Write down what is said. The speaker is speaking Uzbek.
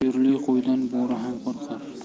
uyurli qo'ydan bo'ri ham qo'rqar